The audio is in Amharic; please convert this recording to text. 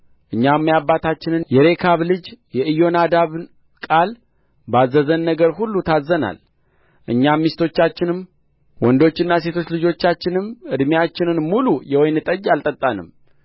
እኛም የአባታችንን የሬካብ ልጅ የኢዮናዳብን ቃል ባዘዘን ነገር ሁሉ ታዝዘናል እኛም ሚስቶቻችንም ወንዶችና ሴቶች ልጆቻችንም ዕድሜአችንን ሙሉ የወይን ጠጅ አልጠጣንም